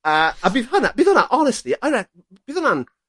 A, a bydd hwnna bydd hwnna onestly i rec- b- b- bydd hwnna'n